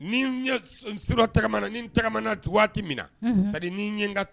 Ni ni tagamana na waati min na ɲɛ ka